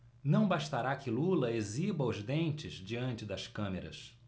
não bastará que lula exiba os dentes diante das câmeras